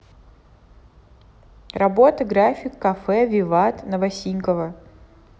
работа график кафе виват новосиньково